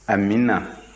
amiina